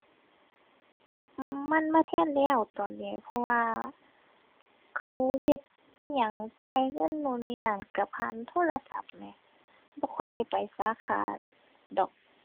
อือ มันมาแทนแล้วตอนนี้ เพราะว่าเขาเฮ็ดอิหยังจ่ายเงินโน้นนี้นั้นก็ผ่านโทรศัพท์แหม บ่ค่อยได้ไปสาขาดอก